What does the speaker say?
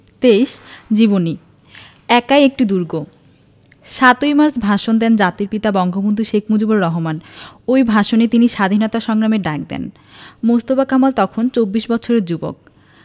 ২৩ জীবনী একাই একটি দুর্গ ৭ই মার্চ ভাষণ দেন জাতির পিতা বঙ্গবন্ধু শেখ মুজিবুর রহমান ওই ভাষণে তিনি স্বাধীনতা সংগ্রামের ডাক দেন মোস্তফা কামাল তখন চব্বিশ বছরের যুবক